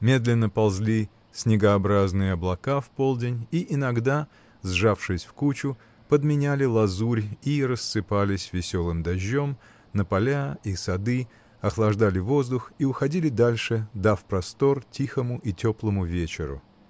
Медленно ползли снегообразные облака в полдень и иногда, сжавшись в кучу, потемняли лазурь и рассыпались веселым дождем на поля и сады, охлаждали воздух и уходили дальше, дав простор тихому и теплому вечеру.